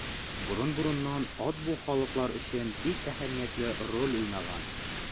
Борын-борыннан ат бу халыклар өчен бик әһәмиятле роль уйнаган.